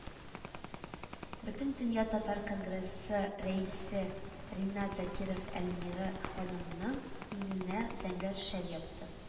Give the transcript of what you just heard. Бөтендөнья татар конгрессы рәисе Ринат Закиров Әлмира ханымның иңенә зәңгәр шәл япты